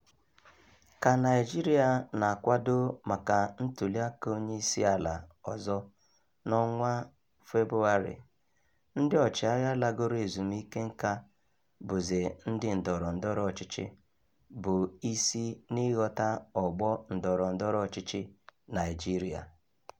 Ka Naịjirịa na-akwado maka ntụliaka onyeisi ala ọzọ n'ọnwa Febụwarị, ndị ọchịagha lagoro ezumike nka bụzị ndị ndọrọ ndọrọ ọchịchị bụ isi n'ịghọta ọgbọ ndọrọ ndọrọ ọchịchị Naijiria.